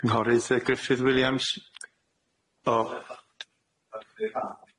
Cynghorydd yy Gruffydd Williams.